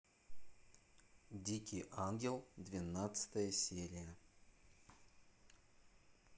дикий ангел двенадцатая серия